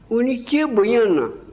u ni ce bonya na